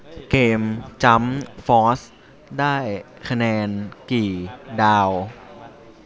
เกมจั๊มฟอสได้คะแนนกี่ดาว